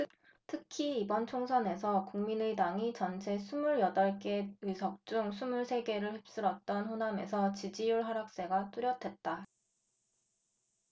특히 이번 총선에서 국민의당이 전체 스물 여덟 개 의석 중 스물 세 개를 휩쓸었던 호남에서 지지율 하락세가 뚜렷했다